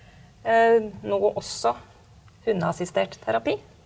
nå også hundeassistert terapi.